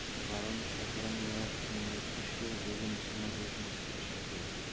Воронеж шәһәрендә инде биш ел җирле мөселман оешмасы эшләп килә.